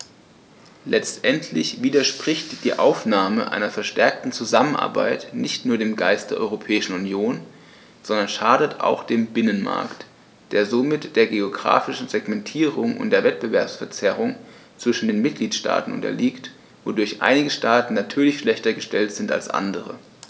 Letztendlich widerspricht die Aufnahme einer verstärkten Zusammenarbeit nicht nur dem Geist der Europäischen Union, sondern schadet auch dem Binnenmarkt, der somit der geographischen Segmentierung und der Wettbewerbsverzerrung zwischen den Mitgliedstaaten unterliegt, wodurch einige Staaten natürlich schlechter gestellt sind als andere.